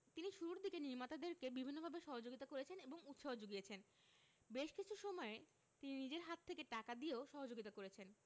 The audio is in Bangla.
তিনি শুরুর দিকে নির্মাতাদেরকে বিভিন্নভাবে সহযোগিতা করেছেন এবং উৎসাহ যুগিয়েছেন বেশ কিছু সময়ে তিনি নিজের হাত থেকে টাকা দিয়েও সহযোগিতা করেছেন